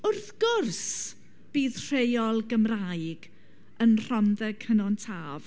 Wrth gwrs, bydd rheol Gymraeg yn Rhondda Cynon Taf.